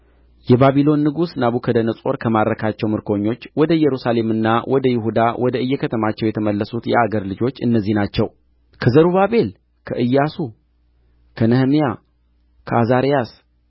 የባቢሎን ንጉሥ ናቡከደነፆር ከማረካቸው ምርኮኞች ወደ ኢየሩሳሌምና ወደ ይሁዳ ወደ እየከተማቸው የተመለሱት የአገር ልጆች እነዚህ ናቸው ከዘሩባቤል ከኢያሱ ከነህምያ ከአዛርያስ